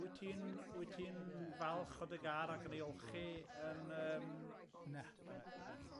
Wyt ti'n wyt ti'n falch o dy gar ac yn ei olchi yn yym... Na.